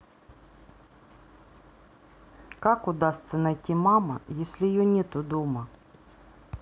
как удастся найти мама если ее нету дома